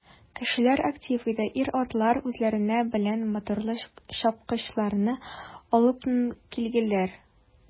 Кешеләр актив иде, ир-атлар үзләре белән моторлы чапкычлар алыпн килгәннәр.